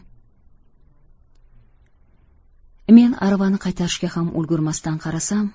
men aravani qaytarishga ham ulgurmasdan qarasam